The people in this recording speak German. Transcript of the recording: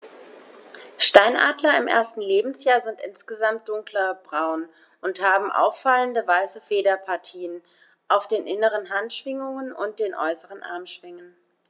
Steinadler im ersten Lebensjahr sind insgesamt dunkler braun und haben auffallende, weiße Federpartien auf den inneren Handschwingen und den äußeren Armschwingen.